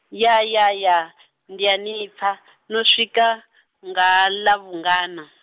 ya ya ya, ndi a nipfa, no swika, nga ḽa vhungana?